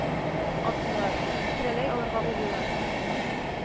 Атмыйлар, тереләй алырга уйлыйлар